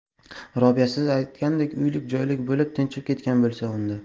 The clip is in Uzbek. robiya siz aytgandek uylik joylik bo'lib tinchib ketgan bo'lsa unda